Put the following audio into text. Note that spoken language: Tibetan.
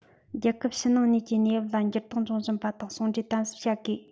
རྒྱལ ཁབ ཕྱི ནང གཉིས ཀྱི གནས བབ ལ འགྱུར ལྡོག འབྱུང བཞིན པ དང ཟུང འབྲེལ དམ ཟབ བྱ དགོས